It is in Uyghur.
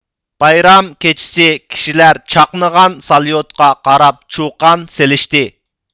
بايرام كېچىسى كىشىلەر چاقنىغان ساليوتقا قاراپ چۇقان سېلىشتى